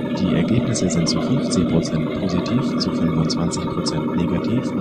Die Ergebnisse sind zu 50% positiv, zu 25% negativ